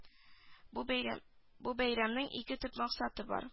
Бу бәйрәм-бәйрәмнең ике төп максаты бар